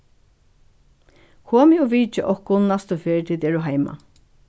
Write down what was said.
komið og vitjið okkum næstu ferð tit eru heima